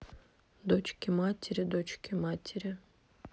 дочки матери дочки матери